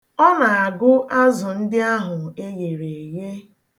Ọ na-agụ azụ ndị ahụ eghere eghe.